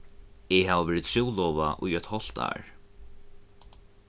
eg havi verið trúlovað í eitt hálvt ár